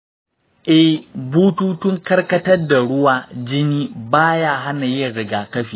eh, bututun karkatar da ruwa/jini ba ya hana yin rigakafi.